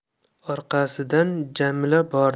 orqasidan jamila bordi